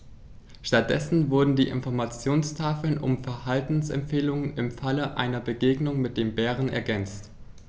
Stattdessen wurden die Informationstafeln um Verhaltensempfehlungen im Falle einer Begegnung mit dem Bären ergänzt.